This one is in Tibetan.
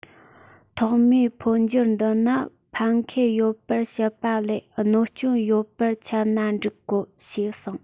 ཐོག མའི འཕོ འགྱུར འདི ནི ཕན ཁེ ཡོད པར བཤད པ ལས གནོད སྐྱོན ཡོད པར འཆད ན འགྲིག གོ ཞེས གསུངས